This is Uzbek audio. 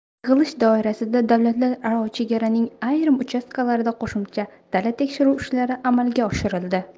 yig'ilish doirasida davlatlararo chegaraning ayrim uchastkalarida qo'shma dala tekshiruv ishlari amalga oshirildi